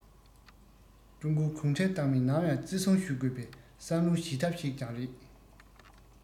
ཀྲུང གོའི གུང ཁྲན ཏང མིས ནམ ཡང བརྩི སྲུང ཞུ དགོས པའི བསམ བློའི བྱེད ཐབས ཤིག ཀྱང རེད